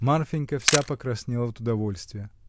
Марфинька вся покраснела от удовольствия.